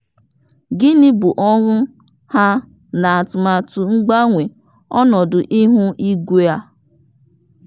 Gịnị bụ ọrụ ha n'atụmatụ mgbanwe ọnọdụ ihu igwe a?